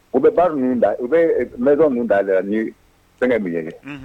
U bɛ baara min da u bɛ m min da la ni fɛn min ye ye